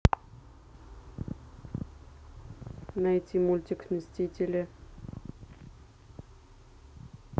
найти мультик мстители